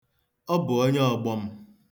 Ọ bụ onye ọgbọ m.